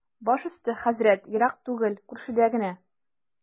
Баш өсте, хәзрәт, ерак түгел, күршедә генә.